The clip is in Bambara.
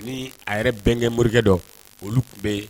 Ni a yɛrɛ bɛnkɛ morikɛ dɔ olu tun bɛ yen